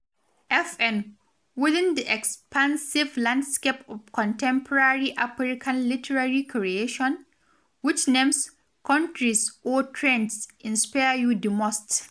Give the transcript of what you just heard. FN: Within the expansive landscape of contemporary African literary creation, which names, countries, or trends inspire you the most?